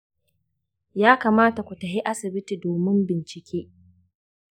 ya kamata ku tafi asibiti domin bincike